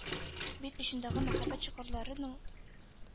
Бит очындагы “мәхәббәт чокырлары”ның